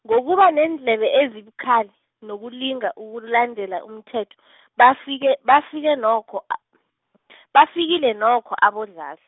Ngokuba neendlebe ezibukhali, nokulinga ukulandela umthetho , bafike bafike nokho , bafikile nokho, aboDladla.